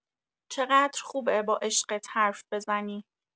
چقدر خوبه با عشقت حرف بزنی!